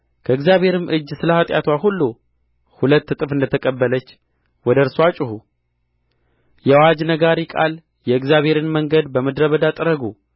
ከእግዚአብሔርም እጅ ስለ ኃጢአትዋ ሁሉ ሁለት እጥፍ እንደ ተቀበለች ወደ እርስዋ ጩኹ የአዋጅ ነጋሪ ቃል የእግዚአብሔርን መንገድ በምድረ በዳ ጥረጉ